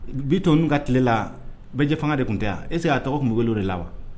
Bi n'u ka tilela bɛɛjɛ fanga de tun tɛ ese' a tɔgɔ munbili de la wa